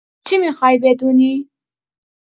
چی می‌خوای بدونی؟